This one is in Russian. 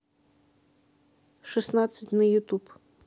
шестнадцать на ютуб